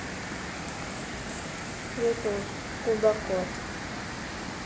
ютуб кубокот